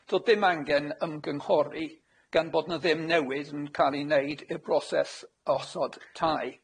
Do'dd dim angen ymgynghori gan bo' 'na ddim newid yn ca'l i neud i'r broses o osod tai.